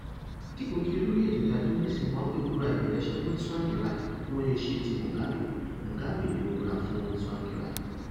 Dípò kí Olórí Ètò Ìdájọ́ ní Zimbabwe búra ìbẹ̀rẹ̀ iṣẹ́ fún Tsvangirai bí wọ́n ṣe ṣe ti Mugabe, Mugabe ni ó búra fún Tsvangirai.